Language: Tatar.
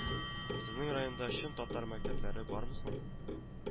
Сезнең районда чын татар мәктәпләре бармы соң